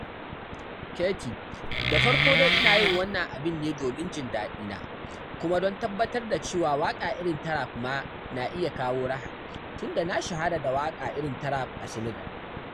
Keyti: Da farko dai ina yin wannan abin ne domin jin daɗina kuma don tabbatar da cewa waƙa irin ta rap ma na iya kawo raha, tunda na shahara da waƙar irin ta rap a Senegal.